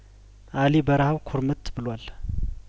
አሊ በረሀብ ኩርምት ብሏል